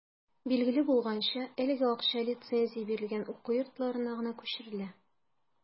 Билгеле булганча, әлеге акча лицензия бирелгән уку йортларына гына күчерелә.